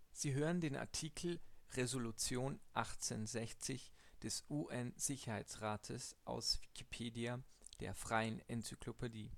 Sie hören den Artikel Resolution 1860 des UN-Sicherheitsrates, aus Wikipedia, der freien Enzyklopädie